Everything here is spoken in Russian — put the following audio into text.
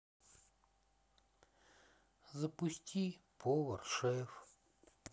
запусти повар шеф